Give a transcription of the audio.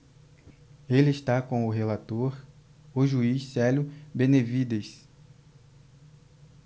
ele está com o relator o juiz célio benevides